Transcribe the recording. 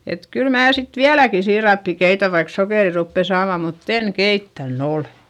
että kyllä minä sitten vieläkin siirappia keitän vaikka sokeria rupeaa saamaan mutta en keittänyt ole